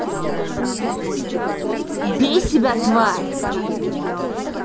убей себя тварь